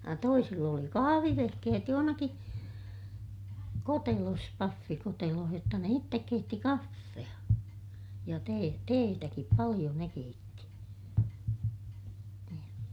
ja toisilla oli kahvivehkeet jossakin kotelossa pahvikotelossa jotta ne itse keitti kahvia ja - teetäkin paljon ne keitti niin